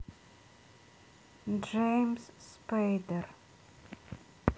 джеймс спейдер